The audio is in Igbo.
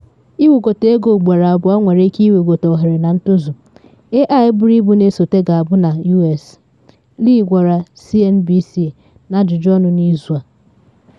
Iwegote ego ugboro abụọ nwere ike iwegote ohere na ntozu AI buru ibu na esote ga-abụ na U.S., Lee gwara CNBC n’ajụjụ ọnụ n’izu a.